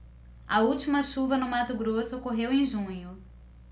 a última chuva no mato grosso ocorreu em junho